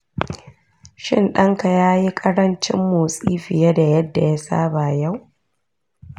shin ɗanka ya yi ƙarancin motsi fiye da yadda ya saba yau?